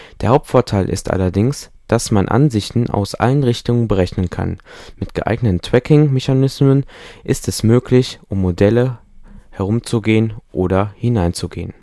Der Hauptvorteil ist allerdings, dass man Ansichten aus allen Richtungen berechnen kann. Mit geeigneten Tracking-Mechanismen ist es möglich, um Modelle herumzugehen oder hineinzugehen